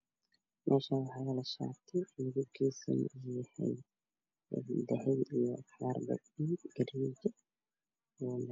Meeshaan waxaa yaalo shaati midabkiisa uu yahay dahabi dahabi iyo cagaar